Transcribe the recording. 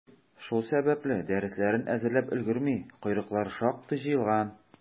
Шул сәбәпле, дәресләрен әзерләп өлгерми, «койрыклары» шактый җыелган.